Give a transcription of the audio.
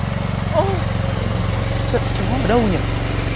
ô giận chó ở đâu nhở